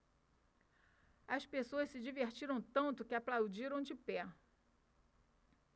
as pessoas se divertiram tanto que aplaudiram de pé